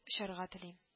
Очарга телим